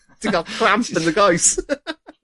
Ti'n gal cramp yn dy goes.